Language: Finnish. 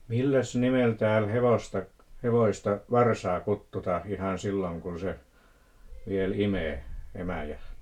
milläs nimellä täällä hevosta hevosta varsaa kutsutaan ihan silloin kun se vielä imee emäänsä